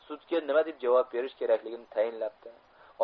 sudga nima deb javob berish kerakligini tayinlabdi